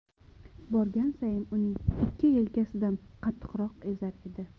borgan sayin uning ikki yelkasidan qattiqroq ezar edi